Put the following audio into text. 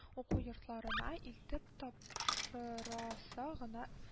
Уку йортларына илтеп тапшырасы гына